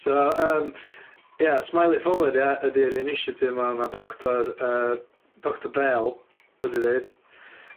So yym ia, smile it forward ia, ydi'r initiative 'ma ma' doctor yy Doctor Behl wedi ddeud.